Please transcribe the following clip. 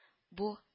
– бу